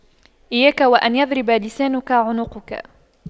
إياك وأن يضرب لسانك عنقك